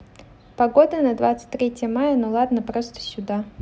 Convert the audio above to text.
погода на двадцать третье мая ну ладно просто сюда